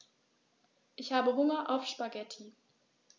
Ich habe Hunger auf Spaghetti.